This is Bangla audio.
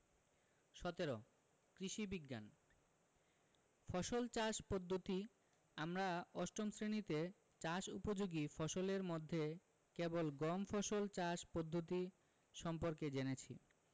১৭ কৃষি বিজ্ঞান ফসল চাষ পদ্ধতি আমরা অষ্টম শ্রেণিতে চাষ উপযোগী ফসলের মধ্যে কেবল গম ফসল চাষ পদ্ধতি সম্পর্কে জেনেছি